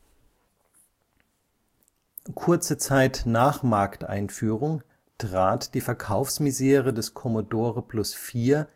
Kurze Zeit nach Markteinführung trat die Verkaufsmisere des Commodore Plus/4